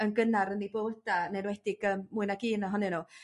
yn gynnar yn 'u bywyda yn enwedig yym mwy nag un ohonyn nhw.